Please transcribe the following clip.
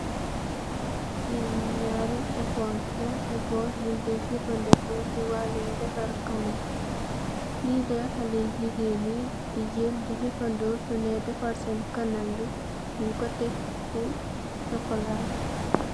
Lii ñaari eponse la, eponse buñ Dee jafëndeko, si wàllum defar kawar, lii la xalé jigéen di jêl, di jafando su neekë, defar seen kanam, bi ñung ko tek, sokolaa.